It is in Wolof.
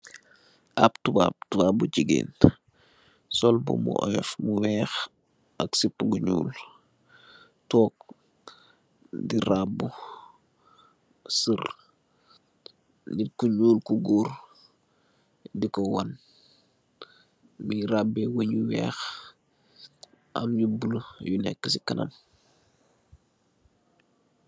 Ab toubab, toubab bu jegain sol muba bu oyuf bu weehe ak sepu gu njol tonke de rabou serr neet ku njol ku goor deku wan muge rabeh weah yu weehe am yu bluelo yu neka se kanam.